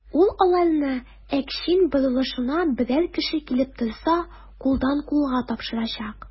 Ул аларны Әкчин борылышына берәр кеше килеп торса, кулдан-кулга тапшырачак.